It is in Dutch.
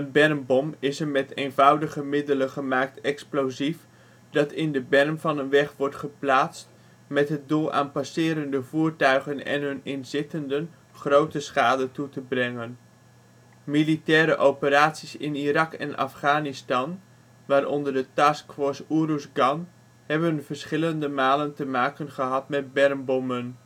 bermbom is een met eenvoudige middelen gemaakt explosief dat in de berm van een weg wordt geplaatst met het doel aan passerende voertuigen en hun inzittenden grote schade aan te brengen. Militaire operaties in Irak en Afghanistan, waaronder de Task Force Uruzgan, hebben verschillende malen te maken gehad met bermbommen